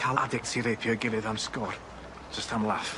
Ca'l addicts i reipio'u gilydd am sgôr jyst am laff.